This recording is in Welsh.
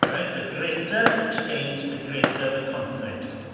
reit the greater the change the greater the conflict